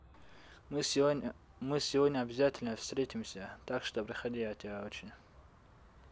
мы сегодня обязательно встретимся так что приходи я тебя очень